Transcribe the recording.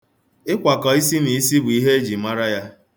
Ịkwakọ isiniisi bụ ihe e ji mara ya.